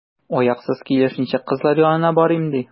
Аяксыз килеш ничек кызлар янына барыйм, ди?